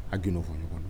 A g fɔ ɲɔgɔn